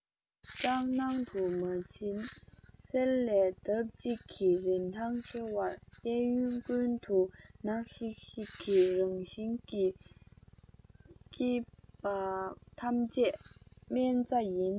སྐྲག སྣང དུ མ བྱིན གསེར ལས ལྡབ གཅིག གིས རིན ཐང ཆེ བར གཡས གཡོན ཀུན ཏུ ནག ཤིག ཤིག གི རང བཞིན གྱི སྐྱེས པ ཐམས ཅད སྨན རྩྭ ཡིན